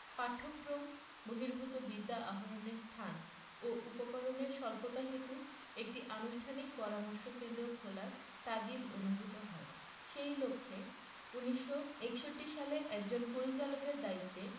পাঠক্রম বহির্ভূত বিদ্যা আহরণের স্থান ও উপকরণের স্বল্পতাহেতু একটি আনুষ্ঠানিক পরামর্শ কেন্দ্র খোলার তাগিদ অনুভূত হয় সেই লক্ষ্যে ১৯৬১ সালে একজন পরিচালকের দায়িত্বে